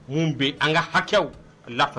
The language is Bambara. Mun bɛ an ka hakɛw a la